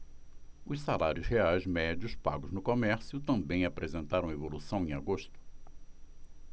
os salários reais médios pagos no comércio também apresentaram evolução em agosto